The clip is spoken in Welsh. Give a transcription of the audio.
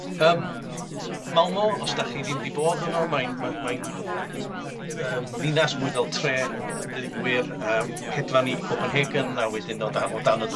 Yym, Malmo, 'os 'dach chi ddim 'di bod yno, mae'n ma' mae'n yym ddinas mwy fel tre, deud y gwir, yym hedfan i Copenhagen, a wedyn o da- o dan y